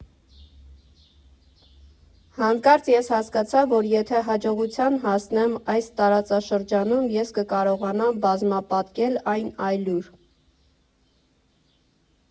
Հանկարծ ես հասկացա, որ եթե հաջողության հասնեմ այս տարածաշրջանում, ես կկարողանամ բազմապատկել այն այլուր։